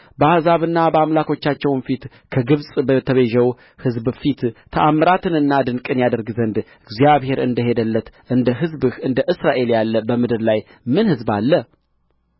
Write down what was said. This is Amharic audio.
በአሕዛብና በአምላኮቻቸውም ፊት ከግብጽ በተቤዠው ሕዝብ ፊት ተአምራትንና ድንቅን ያደርግ ዘንድ እግዚአብሔር እንደ ሄደለት እንደ ሕዝብህ እንደ እስራኤል ያለ በምድር ላይ ምን ሕዝብ አለ